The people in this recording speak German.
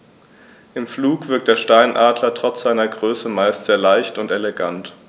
Im Flug wirkt der Steinadler trotz seiner Größe meist sehr leicht und elegant.